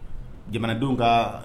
Jamanadenw ka